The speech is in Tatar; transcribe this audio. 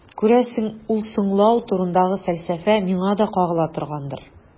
Күрәсең, ул «соңлау» турындагы фәлсәфә миңа да кагыла торгандыр.